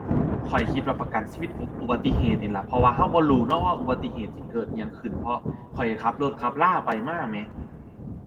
ข้อยคิดว่าประกันชีวิต อุ อุบัติเหตุนี่ล่ะ เพราะว่าเราบ่รู้เนาะว่าอุบัติเหตุสิเกิดอิหยังขึ้นเพราะข้อยขับรถขับลาไปมาแหม